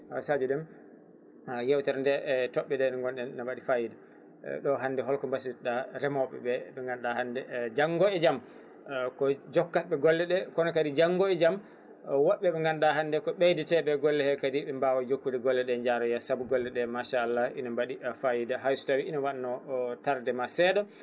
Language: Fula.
Sadio Déme yewtere nde e toɓɓe ɗe gonɗen ne waɗi fayida ɗo hande holko basiytoɗa remoɓeɓe eɓe ganduɗa hande e janngo e jaam ko jokkatɓe golleɗe kono kadi janggo e jaam wobɓe ɓe ganduɗa hande ko ɓeydeteɓe e golle he kadi ɓe mbawa jokkude golle ɗe jaara yeeso saabu golleɗe machallah ina mbaɗi fayida hayso tawi ina wanno ko tardement seeɗa